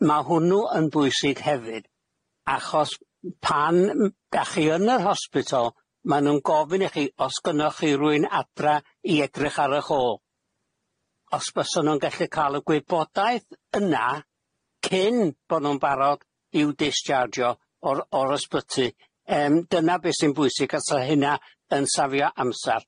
Ma' hwnnw yn bwysig hefyd achos pan m- dach chi yn yr hosbitol ma' n'w'n gofyn i chi os gynnoch chi rywun adra i edrych ar ych ôl, os bysan n'w'n gallu ca'l y gwybodaeth yna cyn bo' n'w'n barod i'w disjarjio o'r o'r ysbyty yym dyna be sy'n bwysig 'chos 'sa' hynna yn safio amsar.